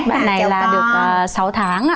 bạn này là được sáu tháng ạ